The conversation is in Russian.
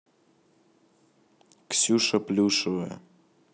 ксюша плюшевая